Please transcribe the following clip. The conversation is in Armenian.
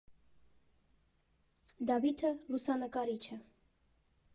Դավիթը լուսանկարիչ է։